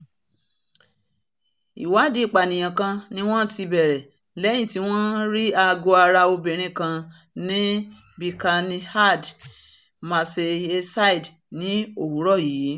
Ìwáàdí ìpànìyàn kan ni wọ́n ti bẹ̀rẹ̀ lẹ́yìn tí wọ́n rí àgọ́-ara obìnrin kaǹ ní Birkenhead, Merseyside ní òwúrọ̀ yìí.